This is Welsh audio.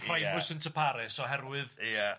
primus inter pares oherwydd... Ia...